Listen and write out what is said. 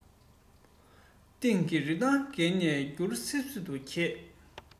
སེམས ཀྱི རི ཐང བརྒལ ནས སྐྱུར སིབ སིབ ཏུ གྱེས